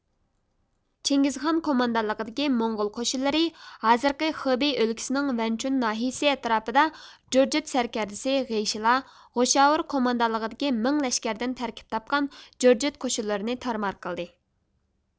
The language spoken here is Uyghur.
چىڭگىزخان قوماندانلىقىدىكى موڭغۇل قوشۇنلىرى ھازىرقى خېبىي ئۆلكىسىنىڭ ۋەنچۇەن ناھىيىسى ئەتراپىدا جۇرجىت سەركەردىسى غىيىشلا غوشاۋۇر قوماندانلىقىدىكى مىڭ لەشكەردىن تەركىپ تاپقان جۇرجىت قوشۇنلىرىنى تارمار قىلدى